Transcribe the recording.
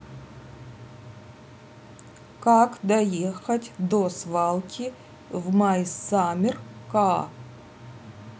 как доехать до свалки в my summer car